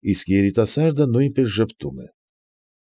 Իսկ երիտասարդը նույնպես ժպտում է։